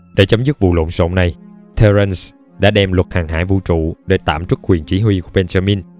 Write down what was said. để chấm dứt vụ lộn xộn này terrence đã đem luật hàng hải vũ trụ để tạm truất quyền chỉ huy của benjamin